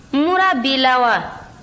mura b'i la wa